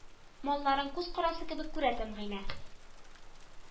Малларын күз карасы кебек күрә Тәнгыймә